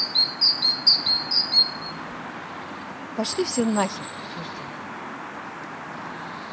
пошли все нахер хьюстон